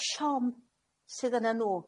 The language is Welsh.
Siom sydd yn y nw.